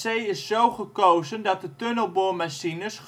zo gekozen dat de tunnelboormachines